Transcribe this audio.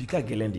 I'i ka gɛlɛnlɛn de